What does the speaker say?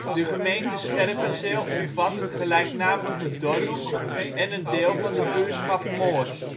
De gemeente Scherpenzeel omvat het gelijknamige dorp en een deel van de buurtschap Moorst